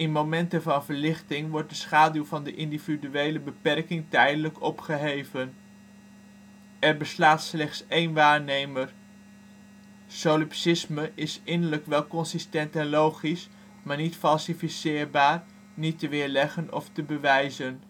momenten van) verlichting wordt de schaduw van de individuele beperking (tijdelijk) opgeheven. Er bestaat slechts één waarnemer. Solipsisme is innerlijk wel consistent en logisch, maar niet falsificeerbaar, niet te weerleggen of te bewijzen